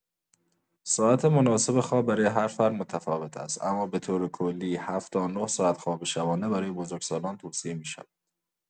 ساعت مناسب خواب برای هر فرد متفاوت است اما به‌طور کلی ۷ تا ۹ ساعت خواب شبانه برای بزرگسالان توصیه می‌شود.